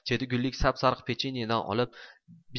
cheti gullik sap sariq pechenedan olib